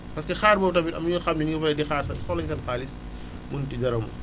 parce que xaar boobu tamit am na ñoo xam ne ñu ngi fee di xaar sax soxla nañ seen xaalis mun ci garamu